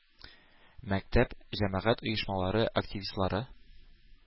Мәктәп җәмәгать оешмалары активистлары,